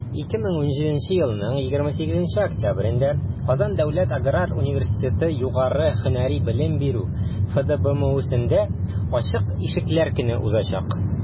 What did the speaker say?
2017 елның 28 октябрендә «казан дәүләт аграр университеты» югары һөнәри белем бирү фдбмусендә ачык ишекләр көне узачак.